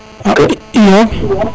iyo